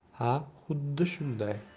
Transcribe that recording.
ha xuddi shunday